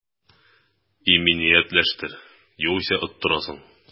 Иминиятләштер, югыйсә оттырасың